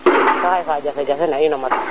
ka refa jafe jafe na ino mat